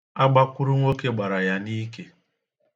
Agbakụrụnwoke gbara ya n'ike.